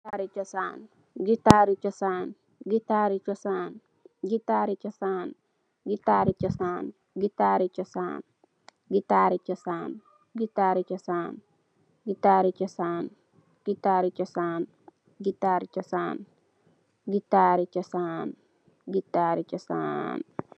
Gitarrii chossan la